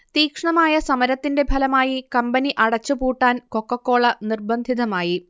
തീക്ഷണമായ സമരത്തിന്റെ ഫലമായി കമ്പനി അടച്ചുപൂട്ടാൻ കൊക്കക്കോള നിർബന്ധിതമായി